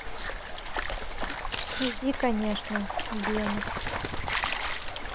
жди конечно venus